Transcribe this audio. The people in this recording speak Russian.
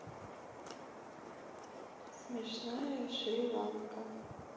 смешная шри ланка